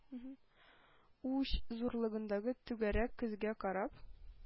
Уч зурлыгындагы түгәрәк көзгегә карап